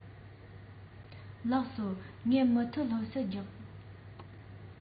ལགས སོངས མུ མཐུད སློབ གསོ རྒྱབ ཆོག